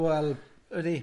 Wel, ydi.